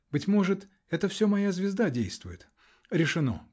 Быть может, это все моя звезда действует. Решено!